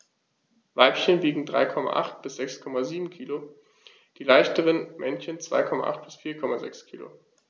Weibchen wiegen 3,8 bis 6,7 kg, die leichteren Männchen 2,8 bis 4,6 kg.